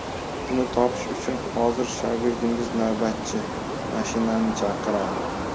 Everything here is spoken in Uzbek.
uni topish uchun hozir shogirdingiz navbatchi mashinani chaqiradi